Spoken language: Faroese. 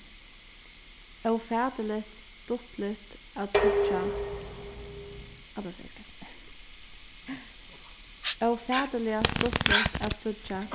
ófatiligt stuttligt at síggja hatta segði eg skeivt ófatiliga stuttligt at síggja